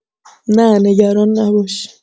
نه نگران نباش